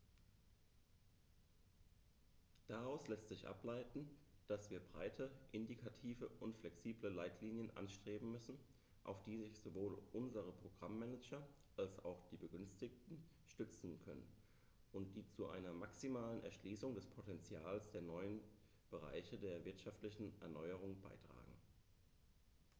Daraus lässt sich ableiten, dass wir breite, indikative und flexible Leitlinien anstreben müssen, auf die sich sowohl unsere Programm-Manager als auch die Begünstigten stützen können und die zu einer maximalen Erschließung des Potentials der neuen Bereiche der wirtschaftlichen Erneuerung beitragen.